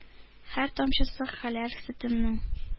Һәр тамчысы хәләл сөтемнең;